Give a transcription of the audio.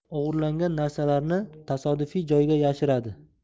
o'g'irlangan narsalarni tasodifiy joyga yashiradi